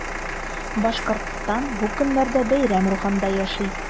Башкортстан бу көннәрдә бәйрәм рухында яши.